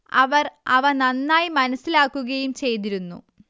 അവർ അവ നന്നായി മനസ്സിലാക്കുകയും ചെയ്തിരുന്നു